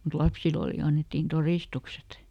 mutta lapsille oli annettiin todistukset